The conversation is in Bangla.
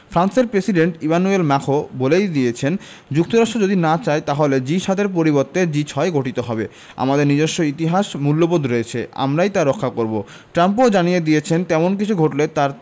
ফ্রান্সের প্রেসিডেন্ট ইমানুয়েল মাখোঁ বলেই দিয়েছেন যুক্তরাষ্ট্র যদি না চায় তাহলে জি ৭ এর পরিবর্তে জি ৬ গঠিত হবে আমাদের নিজস্ব ইতিহাস মূল্যবোধ রয়েছে আমরাই তা রক্ষা করব ট্রাম্পও জানিয়ে দিয়েছেন তেমন কিছু ঘটলে তাঁর